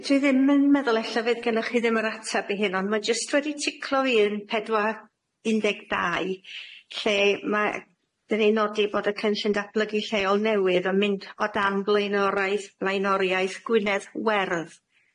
Dwi dwi ddim yn meddwl ella fydd gynnoch chi ddim yr ateb i hyn ond ma' jyst wedi ticlo fi yn pedwar, un deg dau lle ma' dyn ni'n nodi bod y cynllun datblygu lleol newydd yn mynd o dan blaenoraeth blaenoriaeth Gwynedd Werdd.